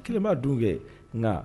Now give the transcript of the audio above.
fɛ nka